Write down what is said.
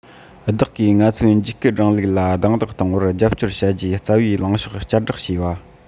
བདག གིས ང ཚོས འཇིགས སྐུལ རིང ལུགས ལ རྡུང རྡེག གཏོང བར རྒྱབ སྐྱོར བྱ རྒྱུའི རྩ བའི ལངས ཕྱོགས བསྐྱར བསྒྲགས བྱས བ